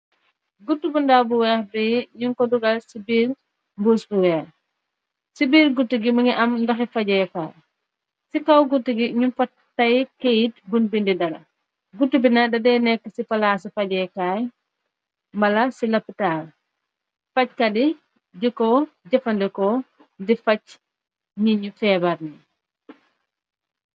Guttu bu ndaw bu weex bi ñu ko dugal ci biir mbus bu weex. Ci biir gutu gi mu nga am ndahi fajeekaay, ci kaw gutu gi ñu faa tay kayt bun bindi dara. gutu gi nag dafdey nekk ci palaaci fajekaay mala ci lopitaal. Fajkat yi di ko jëfandekoo di facj nit ñu feebar ni.